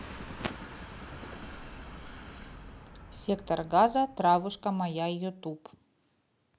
сектор газа травушка моя ютуб